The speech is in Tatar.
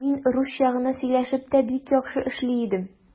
Мин русча гына сөйләшеп тә бик яхшы эшли идем.